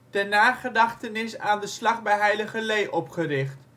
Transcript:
ter nagedachtenis aan de slag bij Heiligerlee opgericht